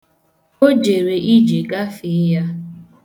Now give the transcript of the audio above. O jere ije gafee ya.